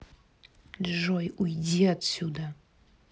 джой уйди отсюда